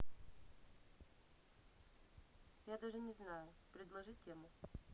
я даже не знаю предложи тему